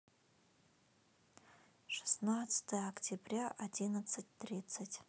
шестнадцатое октября одиннадцать тридцать